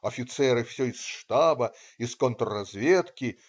Офицеры все - из штаба, из контрразведки.